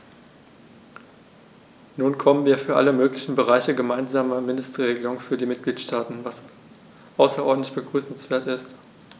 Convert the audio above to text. Nun bekommen wir für alle möglichen Bereiche gemeinsame Mindestregelungen für die Mitgliedstaaten, was außerordentlich begrüßenswert ist.